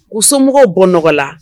Umɔgɔw bɔ nɔgɔya la